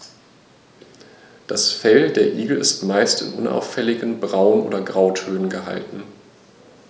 Das Fell der Igel ist meist in unauffälligen Braun- oder Grautönen gehalten.